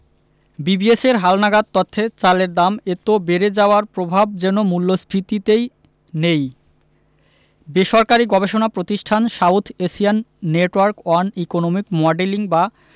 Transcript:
বিবিএসের হালনাগাদ তথ্যে চালের দাম এত বেড়ে যাওয়ার প্রভাব যেন মূল্যস্ফীতিতেই নেই বেসরকারি গবেষণা প্রতিষ্ঠান South Asian Network on Economic Modeling বা